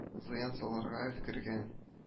Зыян салырга өлгергән